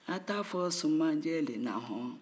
a t'a fɔ sumanjɛ le na hɔn